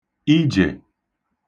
ijè